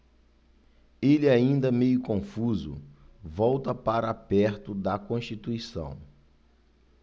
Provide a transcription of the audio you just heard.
ele ainda meio confuso volta para perto de constituição